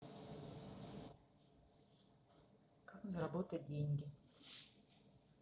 как заработать деньги